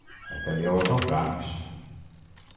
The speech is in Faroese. hetta ljóðar sum franskt